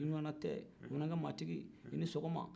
i ɲɔgɔn na tɛ bamanankɛ maatigi i ni sɔgɔma